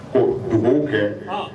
O dugu kɛ